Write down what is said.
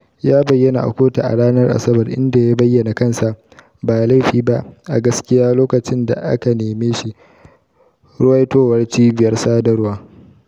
Ya bayyana a kotu a ranar Asabar, inda ya bayyana kansa "ba laifi ba, a gaskiya" lokacin da aka neme shi, ruwaitowar cibiyar sadarwa.